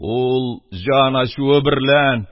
Ул җан ачуы берлән: